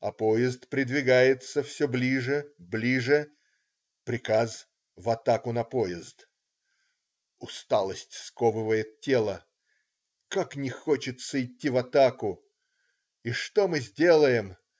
А поезд придвигается все ближе, ближе. Приказ: в атаку на поезд. Усталость сковывает тело. Как не хочется идти в атаку. И что мы сделаем.